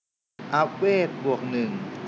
อัพเวทบวกหนึ่ง